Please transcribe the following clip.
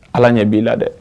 Ala ɲɛ b'i la dɛ